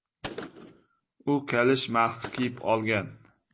u kalish mahsi kiyib olgan